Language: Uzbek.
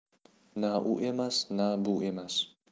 na u emas na bu emas